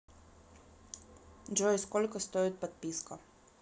джой сколько стоит подписка